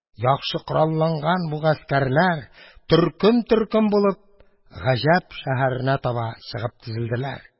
Яхшы коралланган бу гаскәрләр, төркем-төркем булып, Гаҗәп шәһәренә таба чыгып тезелделәр.